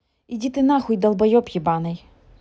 иди ты нахуй долбоеб ебаный